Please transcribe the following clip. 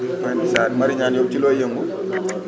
dëkk Pointe Sarene Marie Niane yow si looy yëngu